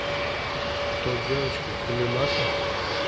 кто девочка или маша